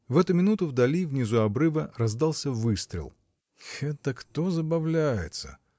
В эту минуту вдали, внизу обрыва, раздался выстрел. — Это кто забавляется?